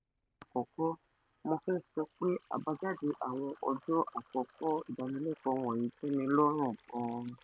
Ní àkọ́kọ́, mo fẹ́ láti sọ pé àbájáde àwọn ọjọ́ àkọ́kọ́ ìdánilẹ́kọ̀ọ́ wọ̀nyí tẹ́milọ́rùn gan-an.